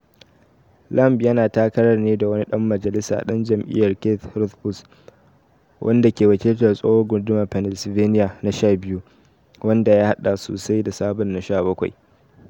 Lamb yana takarar tare da wani Ɗan Majalisa, Ɗan jam’iyar Republican Keith Rothfus, wanda ke wakiltar tsohon Gundumar Pennsylvania na 12, wanda ya haɗda sosai da sabon na 17.